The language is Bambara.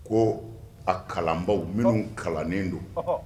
Ko a kalanbaw minɛn kalannen don